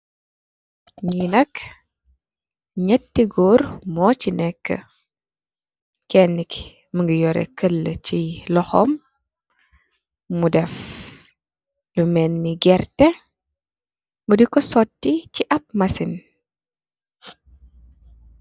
Li nak netteh gór mo ci nekka , Kenna ki mugeh yorèh kalli ci loxom mu def lu melni gerteh mu di ko sotti ci ap masin.